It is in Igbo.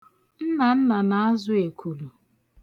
Nnanna na-azụ ekulu.